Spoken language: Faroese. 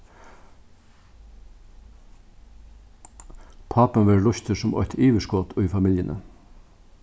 pápin verður lýstur sum eitt yvirskot í familjuni